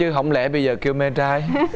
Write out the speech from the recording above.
chứ hổng lẽ bây giờ kêu mê trai